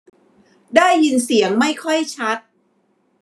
ได้ยินเสียงไม่ค่อยชัด